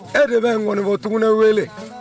E de bɛ n ŋɔnifɔ tugunnen wele